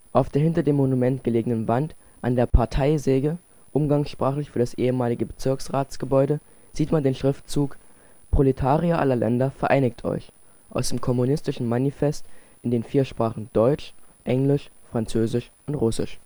Auf der hinter dem Monument gelegenen Wand an der „ Parteisäge “(umgangssprachlich für das ehemalige Bezirksratsgebäude) sieht man den Schriftzug „ Proletarier aller Länder vereinigt euch! “aus dem Kommunistischen Manifest in den vier Sprachen deutsch, englisch, französisch und russisch